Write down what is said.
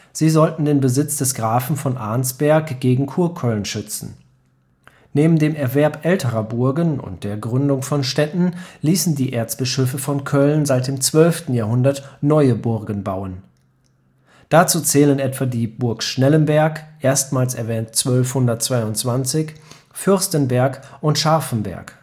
Sie sollten den Besitz des Grafen von Arnsberg gegen Kurköln schützen. Neben dem Erwerb älterer Burgen und der Gründung von Städten ließen die Erzbischöfe von Köln seit dem 12. Jahrhundert neue Burgen bauen. Dazu zählen etwa die Burg Schnellenberg, erstmals erwähnt 1222, Fürstenberg und Scharfenberg